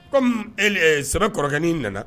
Kɔmi sɛbɛ kɔrɔkɛin nana